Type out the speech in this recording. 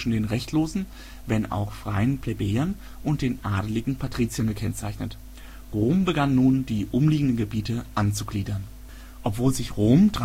den rechtlosen, wenn auch freien Plebejern und den adeligen Patriziern gekennzeichnet. Rom begann nun, die umliegenden Gebiete anzugliedern. Obwohl sich Rom